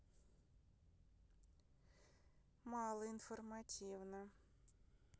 мало информативно